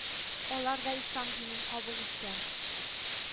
Алар да ислам динен кабул иткән